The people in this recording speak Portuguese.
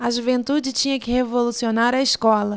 a juventude tinha que revolucionar a escola